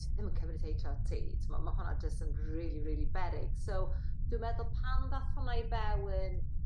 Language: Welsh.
ti ddim cymryd Heitch Are Tee t'mo' ma' honna jyst yn rili rili beryg so dwi meddwl pan ddath honna i fewyn